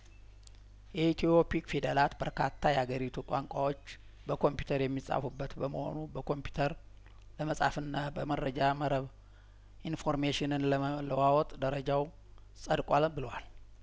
የኢትዮ ፒክ ፊደላት በርካታ ያገሪቱ ቋንቋዎች በኮምፒተር የሚጻፉበት በመሆኑ በኮምፒተር ለመጻፍና በመረጃ መረብ ኢንፎርሜሽንን ለመለዋወጥ ደረጃው ጸድቋል ብሏል